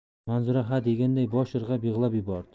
manzura ha deganday bosh irg'ab yig'lab yubordi